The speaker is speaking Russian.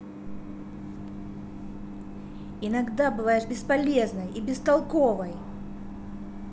иногда бываешь бесполезной и бестолковой